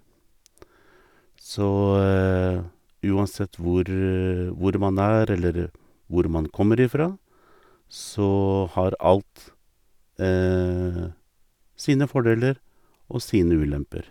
Så uansett hvor hvor man er eller hvor man kommer ifra, så har alt sine fordeler og sine ulemper.